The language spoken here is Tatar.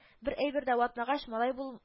Бер әйбер дә ватмагач малай бул